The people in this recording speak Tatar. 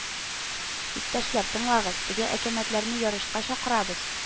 Иптәшләр, тыңлагыз, теге әкәмәтләрне ярышка чакырабыз